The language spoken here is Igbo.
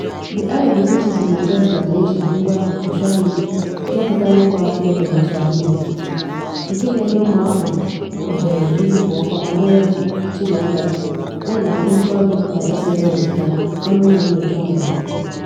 The Eye of the Citizen na Txeka-lá na-eji ngwa Ushahidi (nke pụtara "ịgba akaebe" na Swahili), nke na-enye ụmụafọ ohere izipụ ọkwa banyere ntuliaka, yana ozi olu na SMS, na "ọnụụlọ nnyocha ọnọdụ".